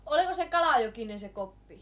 oliko se kalajokinen se Koppi